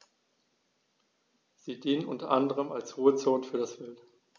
Sie dienen unter anderem als Ruhezonen für das Wild.